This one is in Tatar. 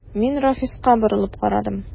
Мин Рафиска борылып карадым.